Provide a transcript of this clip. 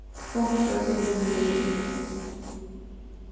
funkur til skriving